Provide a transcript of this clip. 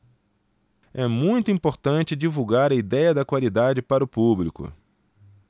é muito importante divulgar a idéia da qualidade para o público